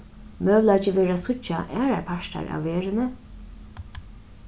møguleiki verður at síggja aðrar partar av verðini